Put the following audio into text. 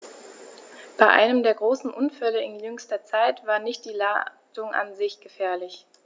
Bei einem der großen Unfälle in jüngster Zeit war nicht die Ladung an sich gefährlich.